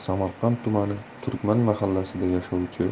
samarqand tumani turkman mahallasida yashovchi